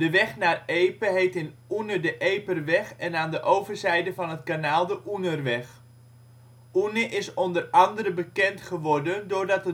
weg naar Epe heet in Oene de Eperweg en aan de overzijde van het kanaal de Oenerweg. Oene is onder andere bekend geworden doordat